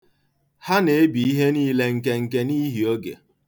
Ha na-ebi ihe niile nkenke n'ihi oge.